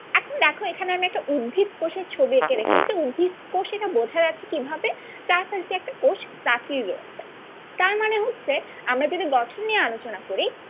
এখন দেখো এখানে আমি একটা উদ্ভিদ কোষের ছবি একে রেখেছি উদ্ভিদ কোষ এটা বোঝা যাচ্ছে কিভাবে চার পাশ দিয়ে একটা কোষ প্রাচীর রয়েছে তার মানে হচ্ছে আমরা যদি গঠন নিয়ে আলোচনা করি